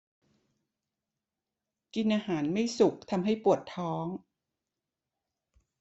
กินอาหารไม่สุกทำให้ปวดท้อง